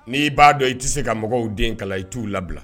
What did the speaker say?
Ni ba dɔn i ti se ka mɔgɔw den kalan i tu labila.